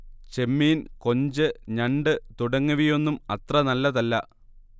ചെമ്മീൻ, കൊഞ്ച്, ഞണ്ട് തുടങ്ങിയവയൊന്നും അത്ര നല്ലതല്ല